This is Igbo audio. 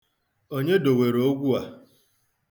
Onye dowere ogwu a?